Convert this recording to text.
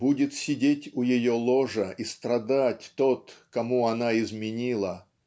Будет сидеть у ее ложа и страдать тот, кому она изменила,